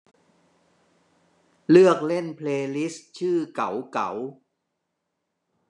เลือกเล่นเพลย์ลิสต์ชื่อเก๋าเก๋า